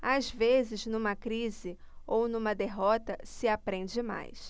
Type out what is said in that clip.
às vezes numa crise ou numa derrota se aprende mais